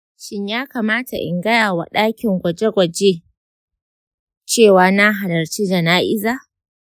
shin ya kamata in gaya wa dakin gwaje-gwaje cewa na halarci jana’iza?